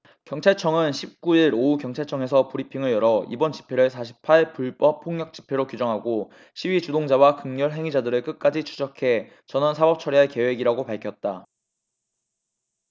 경찰청은 십 구 일 오후 경찰청에서 브리핑을 열어 이번 집회를 사 십 팔 불법 폭력 집회로 규정하고 시위 주동자와 극렬 행위자들을 끝까지 추적해 전원 사법처리할 계획이라고 밝혔다